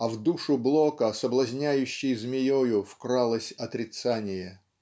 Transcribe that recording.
а в душу Блока соблазняющей змеею вкралось отрицание.